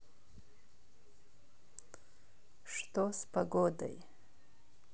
что с погодой